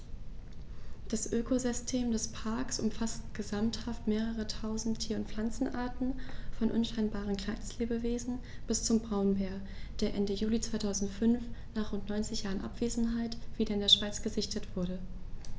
Das Ökosystem des Parks umfasst gesamthaft mehrere tausend Tier- und Pflanzenarten, von unscheinbaren Kleinstlebewesen bis zum Braunbär, der Ende Juli 2005, nach rund 90 Jahren Abwesenheit, wieder in der Schweiz gesichtet wurde.